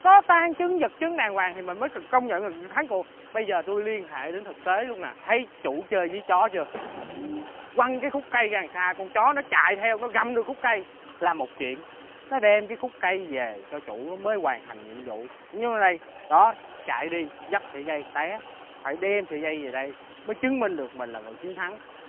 có tang chứng vật chứng đàng hoàng thì mình mới công nhận là thắng cuộc bây giờ tui liên hệ đến thực tế luôn này thấy chủ chơi với chó chưa quăng cái khúc cây ra đằng xa con chó nó chạy theo nó gặm được khúc cây là một chuyện nó đem cái khúc cây về cho chủ nó mới hoàn thành nhiệm vụ nhó đây đó chạy đi vấp sợi dây té phải đem sợi dây về đây mới chứng minh được mình là người chiến thắng